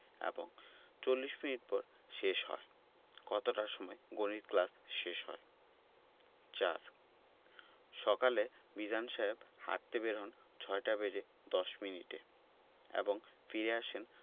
বং ৪০ minute পর শেষ হয় কয়টার সময় গণিত ক্লাস শেষ হয় ৪ সকালে মিজান সাহেব হাঁটতে বের হন ৬টা বেজে ১০ মিনিটে এবং ফিরে আসেন